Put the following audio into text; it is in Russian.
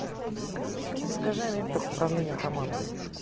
расскажи о методах управления команды